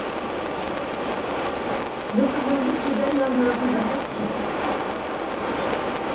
løgreglan viðger deyða hansara sum eitt drápsmál